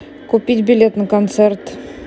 купить билет на концерт